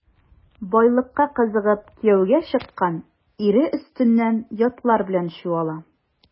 Байлыкка кызыгып кияүгә чыккан, ире өстеннән ятлар белән чуала.